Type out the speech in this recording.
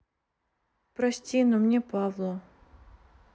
прости но мне павло